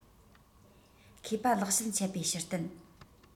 མཁས པ ལེགས བཤད འཆད པའི ཞུ རྟེན